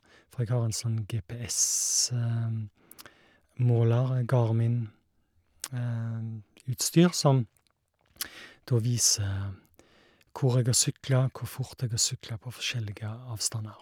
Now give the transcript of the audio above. For jeg har en sånn GPSmåler, Garminutstyr som da viser hvor jeg har sykla, hvor fort jeg har sykla på forskjellige avstander.